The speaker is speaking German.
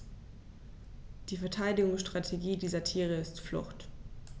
Die Verteidigungsstrategie dieser Tiere ist Flucht.